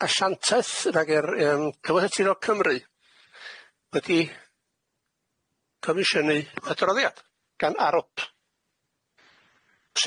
asianteth nag yr yym Cyfath y Tirol Cymru ydi cofisiyny adroddiad gan arwp.